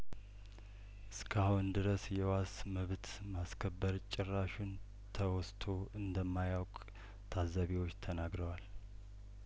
እስካሁን ድረስ የዋስ መብት ማስከበር ጭራሹን ተወስቶ እንደማ ያውቅ ታዛቢዎቹ ተናግረዋል